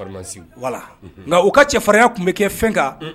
Nka u ka cɛfarin tun bɛ kɛ fɛn kan